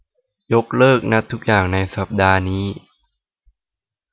ยกเลิกนัดทุกอย่างในสัปดาห์นี้